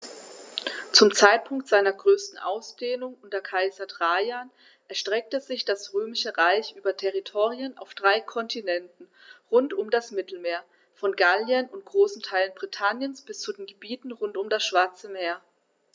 Zum Zeitpunkt seiner größten Ausdehnung unter Kaiser Trajan erstreckte sich das Römische Reich über Territorien auf drei Kontinenten rund um das Mittelmeer: Von Gallien und großen Teilen Britanniens bis zu den Gebieten rund um das Schwarze Meer.